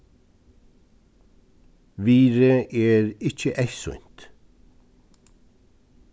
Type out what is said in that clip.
virðið er ikki eyðsýnt